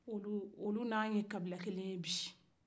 olu n'a ye kabila kelen ye bi